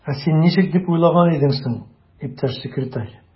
Ә син ничек дип уйлаган идең соң, иптәш секретарь?